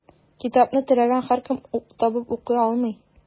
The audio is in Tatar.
Китапны теләгән һәркем табып укый алмый.